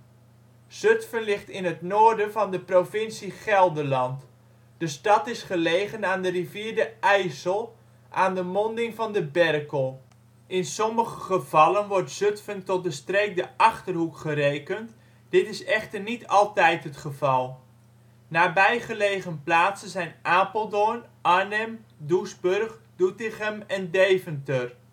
Zutphen ligt in het noorden van de provincie Gelderland. De stad is gelegen aan de rivier de IJssel aan de monding van de Berkel. In sommige gevallen wordt Zutphen tot de streek de Achterhoek gerekend, dit is echter niet altijd het geval. Nabijgelegen plaatsen zijn Apeldoorn, Arnhem, Doesburg, Doetinchem en Deventer